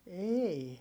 ei